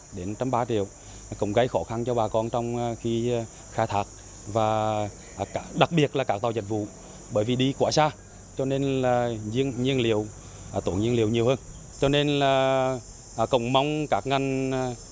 đến trăm ba triệu cũng gây khó khăn cho bà con trong khi khai thác và đặc biệt là các tàu dịch vụ bởi vì đi quá xa cho nên là nhiên nhiên liệu tốn nhiên liệu nhiều hơn cho nên là cũng mong các ngành ờ